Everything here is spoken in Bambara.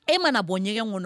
E ma na bɔ ɲɛgɛ kɔnɔ